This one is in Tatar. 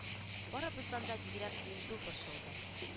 Барыбыздан да бигрәк гыйнду борчылды